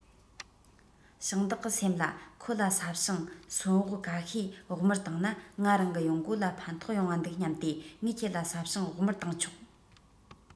ཞིང བདག གི སེམས ལ ཁོ ལ ས ཞིང སོན འབོ ག ཤས བོགས མར བཏང ན ང རང གི ཡོང སྒོ ལ ཕན ཐོགས ཡོང བ འདུག སྙམ སྟེ ངས ཁྱེད ལ ས ཞིང བོགས མར བཏང ཆོག